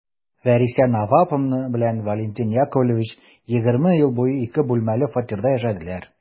Вәриса Наваповна белән Валентин Яковлевич егерме ел буе ике бүлмәле фатирда яшәделәр.